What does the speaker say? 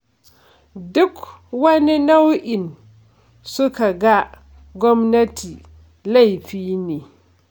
Duk wani nau'in suka ga gwamnati laifi ne